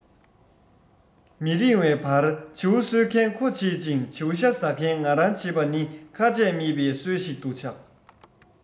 མི རིང བར བྱིའུ གསོད མཁན ཁོ བྱེད ཅིང བྱིའུ ཤ ཟ མཁན ང རང བྱེད པ ནི ཁ ཆད མེད པའི སྲོལ ཞིག ཏུ ཆགས